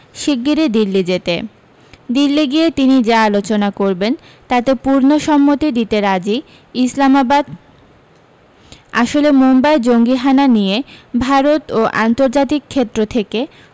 শিগগিরই দিল্লী যেতে দিল্লী গিয়ে তিনি যা আলোচনা করবেন তাতে পূর্ণ সম্মতি দিতে রাজি ইসলামাবাদ আসলে মুম্বাই জঙ্গিহানা নিয়ে ভারত ও আন্তর্জাতিক ক্ষেত্র থেকে